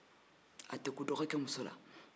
a tɛ kun dɔgɔkɛ muso la